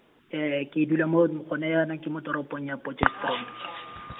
ke dula mo gone yana ke mo toropong ya Potchefstroom.